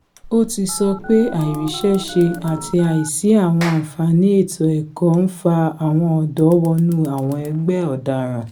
O tí sọ pé àìríṣẹ́ṣe àti àìsí àwọn àǹfààní ètò-ẹ̀kọ́ ń fa àwọn ọ̀dọ́ wọnú àwọn ẹgbẹ́ ọ̀daràn.